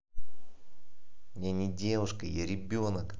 я не девушка я ребенок